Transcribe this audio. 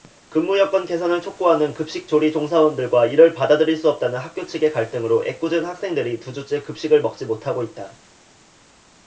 근무여건 개선을 촉구하는 급식 조리 종사원들과 이를 받아들일 수 없다는 학교 측의 갈등으로 애꿎은 학생들이 두 주째 급식을 먹지 못하고 있다